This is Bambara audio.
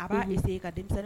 A b'a ayi sigi ka denmisɛnnin